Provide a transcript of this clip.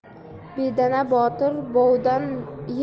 bedana botir bovdan yer